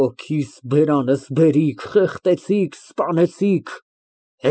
Հոգիս բերանս բերիք, խեղդեցիք, սպանեցիք։